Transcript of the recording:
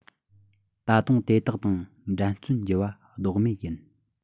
ད དུང དེ དག དང འགྲན རྩོད བགྱི བ ལྡོག མེད ཡིན